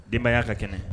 Denbaya ka kɛnɛ?